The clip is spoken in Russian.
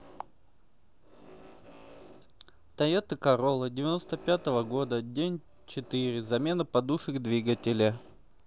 тойота королла девяносто пятого года день четыре замена подушек двигателя